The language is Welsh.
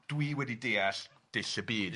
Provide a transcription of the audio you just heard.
Dwi wedi deall dull y byd. Ia.